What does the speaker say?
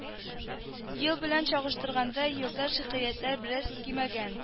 Ел белән чагыштырганда елда шикаятьләр бераз кимәгән